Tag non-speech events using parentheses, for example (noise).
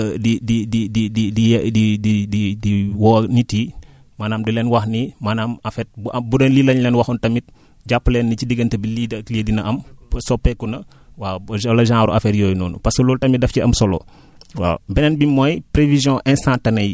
bu ko defee à chaque fois ñuy gën a (hesitation) di di di di di di di yee di di di di woo nit yi maanaam di leen wax ni maanaam en fait bu am bu dee lii lañ leen waxoon tamit jàpp leen ni ci diggante bi lii de ak lii dina am soppeeku na waaw wala genre affaire yooyu noonu parce que loolu tamit daf ci ama solo waaw